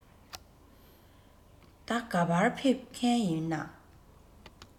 ད ག པར ཕེབས མཁན ཡིན ན